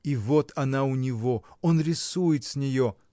И вот она у него, он рисует с нее.